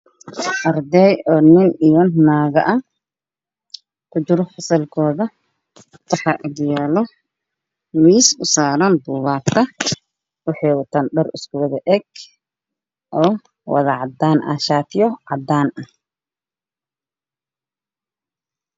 Waa arday wiilal iyo gabdho ah oo fasal dhexfadhiyo